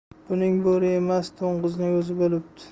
buning bo'ri emas to'ng'izning o'zi bo'libdi